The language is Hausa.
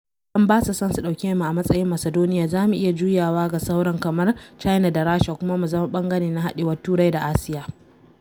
Idan ba su son su ɗauke mu a matsayin Macedonia, za mu iya juyawa ga sauran kamar China da Rusha kuma mu zama ɓangare na haɗewar Turai da Asiya.”